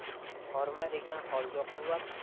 horma degan holga quvvat